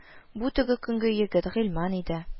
Бу – теге көнге егет – Гыйльман иде